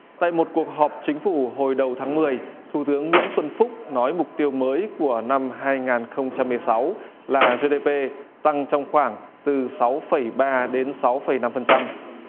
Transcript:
tại một cuộc họp chính phủ hồi đầu tháng mười thủ tướng nguyễn xuân phúc nói mục tiêu mới của năm hai ngàn không trăm mười sáu là dê đê pê tăng trong khoảng từ sáu phẩy ba đến sáu phẩy năm phần trăm